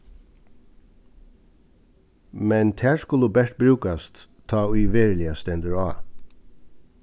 men tær skulu bert brúkast tá ið veruliga stendur á